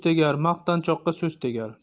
tegar maqtanchoqqa so'z tegar